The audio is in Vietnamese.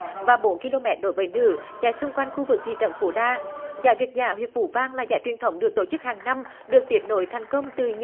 và bốn ki lô mét đối với nữ nhà xung quanh khu vực thị trấn phú đa giải việt dã hiệp phú vang là giải truyền thống được tổ chức hằng năm được tiếp nối thành công từ những